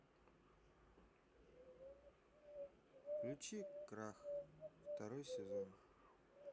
включи крах второй сезон